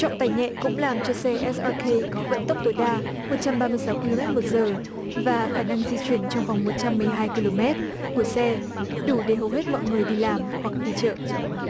trọng tài nhẹ cũng làm cho xe ét a cây có vận tốc tối đa một trăm ba mươi sáu ki lô mét một giờ và khả năng di chuyển trong vòng một trăm mười hai ki lô mét của xe đủ để hầu hết mọi người đi làm hoặc đi chợ